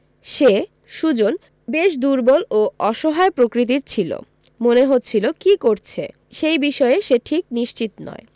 সে সুজন বেশ দুর্বল ও অসহায় প্রকৃতির ছিল মনে হচ্ছিল কী করছে সেই বিষয়ে সে ঠিক নিশ্চিত নয়